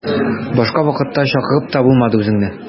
Башка вакытта чакырып та булмады үзеңне.